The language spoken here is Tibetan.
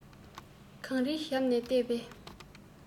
གངས རིའི ཞབས ནས ལྟས པས